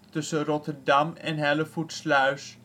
tussen Rotterdam en Hellevoetsluis